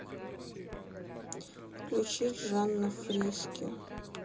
включить жанна фриске